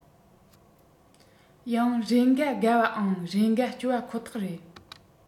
ཡང རེ འགའ དགའ བ ཡང རེ འགའ སྐྱོ བ ཁོ ཐག རེད